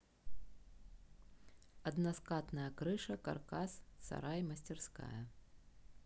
односкатная крыша каркасный сарай мастерская